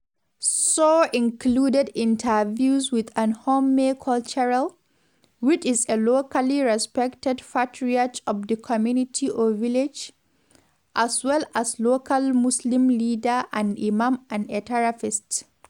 Sow included interviews with an “homme culturel,” which is a locally respected patriarch of the community or village, as well as a local Muslim leader (an imam) and a therapist.